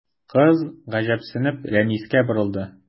Кыз, гаҗәпсенеп, Рәнискә борылды.